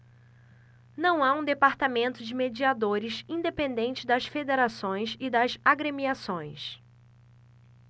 não há um departamento de mediadores independente das federações e das agremiações